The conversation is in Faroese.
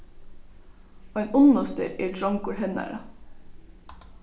ein unnusti er drongur hennara